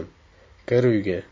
kir uyga